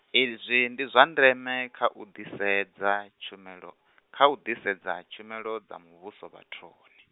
izwi ndi zwa ndeme kha u ḓisedza tshumelo, kha u ḓisedza tshumelo, dza muvhuso vhathuni.